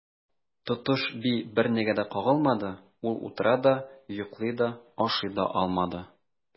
Тотыш би бернигә дә кагылмады, ул утыра да, йоклый да, ашый да алмады.